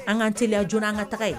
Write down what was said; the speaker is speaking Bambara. An'an t a jɔn anan ka taga ye